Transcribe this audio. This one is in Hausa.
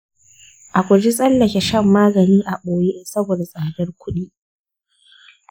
a guji tsallake shan magani a ɓoye saboda tsadar kuɗi.